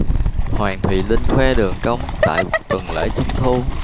hoàng thùy linh khoe đường cong tại tuần lễ trung thu